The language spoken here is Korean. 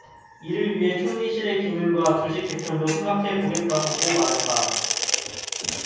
이를 위해 총리실의 기능과 조직 개편도 생각해보겠다고고 말했다